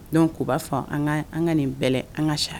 Donc o b'a fɔ an ka nin bɛlɛ an ka sa